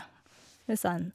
Og sånn.